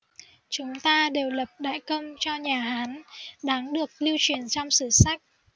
chúng ta đều lập đại công cho nhà hán đáng được lưu truyền trong sử sách